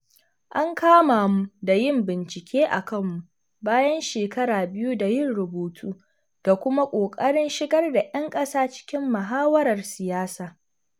An kama mu da yin bincike a kanmu, bayan shekara biyu da yin rubutu da kuma ƙoƙarin shigar da 'yan ƙasa cikin muhawarar siyasa.